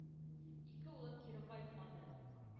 Ике улым кире кайтмады,